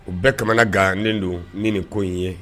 U bɛɛ ka gannen don nin nin ko in ye